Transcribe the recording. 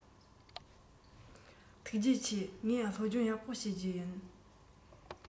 ཐུགས རྗེ ཆེ ངས སློབ སྦྱོང ཡག པོ བྱེད རྒྱུ ཡིན